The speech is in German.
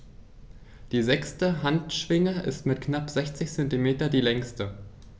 Die sechste Handschwinge ist mit knapp 60 cm die längste.